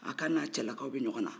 aa k'a n'a cɛlakaw bɛ ɲɔgɔn na